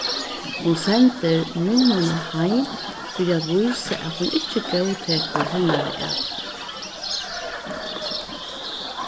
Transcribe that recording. hon sendir nunnuna heim fyri at vísa at hon ikki góðtekur hennara atburð